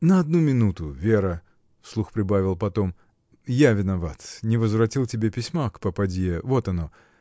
— На одну минуту, Вера, — вслух прибавил потом, — я виноват, не возвратил тебе письма к попадье. Вот оно.